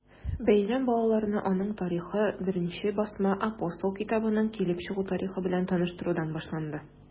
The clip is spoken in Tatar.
Бәйрәм балаларны аның тарихы, беренче басма “Апостол” китабының килеп чыгу тарихы белән таныштырудан башланды.